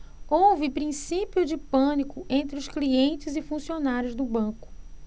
houve princípio de pânico entre os clientes e funcionários do banco